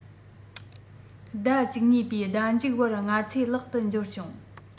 ཟླ ༡༢ པའི ཟླ མཇུག བར ང ཚོས ལག ཏུ འབྱོར བྱུང